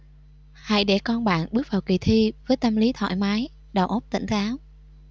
hãy để con bạn bước vào kỳ thi với tâm lý thoải mái đầu óc tỉnh táo